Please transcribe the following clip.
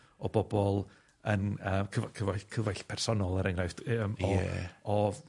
o bobol yn yy cyfo- cyfoell cyfaill personol, er enghraifft, yym... Ie. ...o o